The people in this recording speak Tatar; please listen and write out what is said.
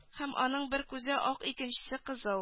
Һәм аның бер күзе ак икенчесе кызыл